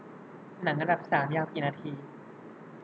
หนังอันดับสามยาวกี่นาที